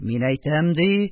Мин әйтәм, ди,